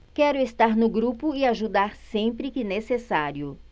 quero estar no grupo e ajudar sempre que necessário